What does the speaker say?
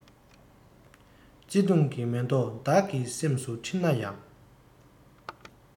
བརྩེ དུང གི མེ ཏོག བདག གི སེམས སུ འཁྲེན ན ཡང